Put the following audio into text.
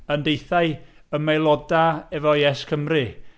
Yn deud wrthai "ymaeolda efo YesCymru.